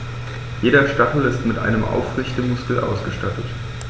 Jeder Stachel ist mit einem Aufrichtemuskel ausgestattet.